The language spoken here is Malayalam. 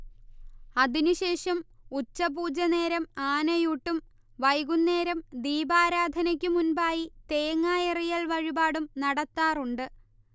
അതിനുശേഷം ഉച്ചപൂജനേരം ആനയൂട്ടും വൈകുന്നേരം ദീപാരാധനക്കുമുൻപായി തേങ്ങായെറിയൽ വഴിപാടും നടത്താറുണ്ട്